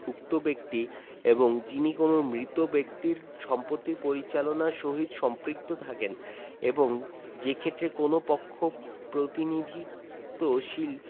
উক্ত ব্যক্তি এবং যিনি কোন মৃত ব্যক্তির সম্পত্তি পরিচালনার সহিত সম্পৃক্ত থাকেন এবং যেক্ষেত্রে কোন পক্ষ প্রতিনিধিত্বশীল